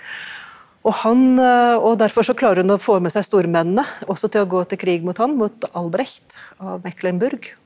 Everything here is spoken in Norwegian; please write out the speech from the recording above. og han og derfor så klarer hun å få med seg stormennene også til å gå til krig mot han, mot Albrecht av Mecklenburg.